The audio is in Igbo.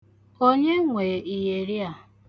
Onye nwe iyeri a?